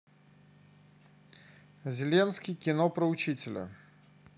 зеленский кино про учителя